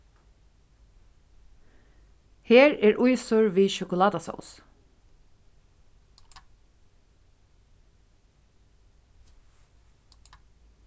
her er ísur við sjokulátasós